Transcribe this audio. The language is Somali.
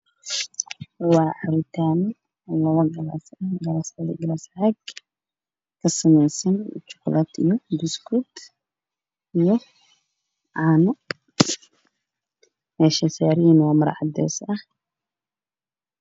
Waa koobab ay ku jiraan mas-uud iyo shuqulaato ah koobka uu cadaan meesha i saaran yihiin waa caddaan